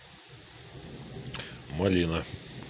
малина